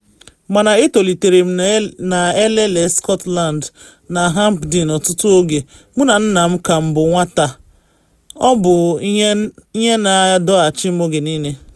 “Mana etolitere m na elele Scotland na Hampden ọtụtụ oge, mụ na nna m ka m bụ nwata, ọ bụ ihe na adọghachi m oge niile.